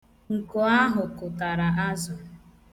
Nko ahụ kụtara azụ.